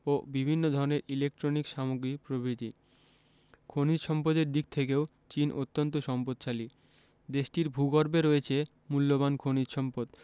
ও বিভিন্ন ধরনের ইলেকট্রনিক্স সামগ্রী প্রভ্রিতি খনিজ সম্পদের দিক থেকেও চীন অত্যান্ত সম্পদশালী দেশটির ভূগর্ভে রয়েছে মুল্যবান খনিজ সম্পদ